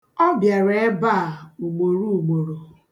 Ọ bịara ebe a ugboruugboro.